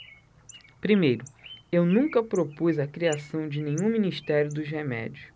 primeiro eu nunca propus a criação de nenhum ministério dos remédios